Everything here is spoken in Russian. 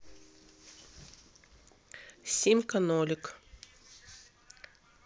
симка нолик